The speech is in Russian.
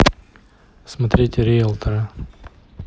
смотреть риэлтора